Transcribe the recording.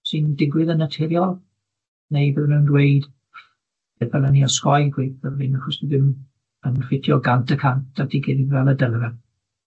sy'n digwydd yn naturiol, neu bydden nw'n dweud y ddylen ni osgoi'n gweud fel hyn achos dyw ddim yn ffitio gant y cant at 'i gilydd fel y dyle fe?